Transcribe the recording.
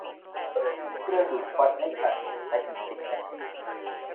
เปิดเครื่องดูดควันให้ฉันในอีกสิบนาที